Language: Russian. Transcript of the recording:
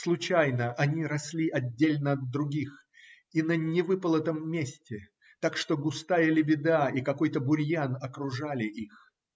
случайно они росли отдельно от других и на невыполотом месте, так что густая лебеда и какой-то бурьян окружали их.